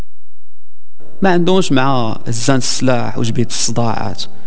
ما عندوش مع الزمن سلاح وشبه الصداعات